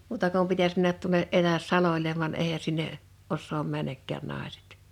muuta kuin pitäisi mennä tuonne etäs salolle vaan eihän sinne osaa mennäkään naiset